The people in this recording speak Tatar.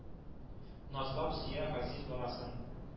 Назлап сөя газиз баласын